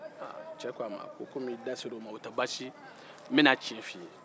aaa cɛ ko a ma kɔmi i da ser'o ma o tɛ basi ye n bɛn'a tiɲɛ f'i ye